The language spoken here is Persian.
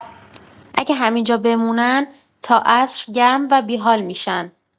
اگه همین‌جا بمونن تا عصر گرم و بی‌حال می‌شن.